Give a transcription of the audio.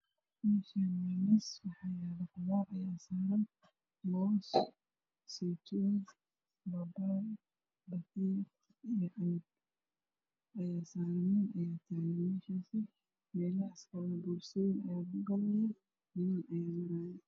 Meeshaani waa miis waxaa yaalo qudaar moos saytuun babaay boorsooyin Aya niman ayaa marayo